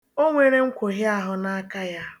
O nwere nkwohịaahụ na aka ya